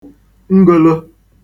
ngōlō